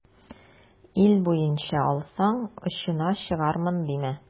Ил буенча алсаң, очына чыгармын димә.